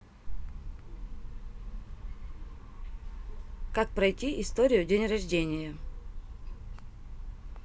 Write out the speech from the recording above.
как пройти историю день рождения